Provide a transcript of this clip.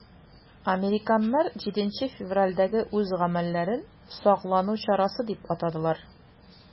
Американнар 7 февральдәге үз гамәлләрен саклану чарасы дип атадылар.